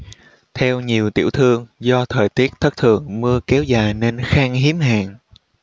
theo nhiều tiểu thương do thời tiết thất thường mưa kéo dài nên khan hiếm hàng